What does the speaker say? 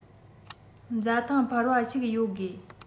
འཛའ ཐང འཕར བ ཞིག ཡོད དགོས